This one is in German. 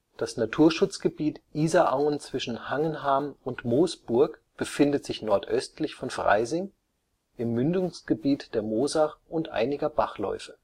Das Naturschutzgebiet Isarauen zwischen Hangenham und Moosburg befindet sich nordöstlich von Freising, im Mündungsgebiet der Moosach und einiger Bachläufe